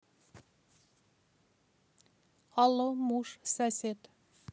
алло муж сосед